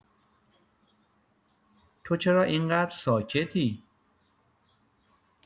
تو چرا این‌قدر ساکتی؟